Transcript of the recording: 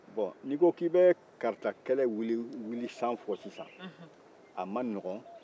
bon i ko k'i bɛ kaarita kɛlɛ wili san fɔ sisan a man nɔgɔ